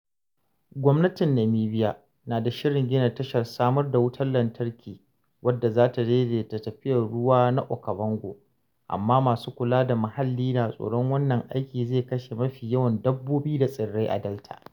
Gwamnatin Namibia na da shirin gina tashar samar da wutar lantarki wadda za ta daidaita tafiyar ruwa na Okavango, amma masu kula da muhalli na tsoron wannan aiki zai kashe mafi yawan dabbobi da tsirrai a Delta.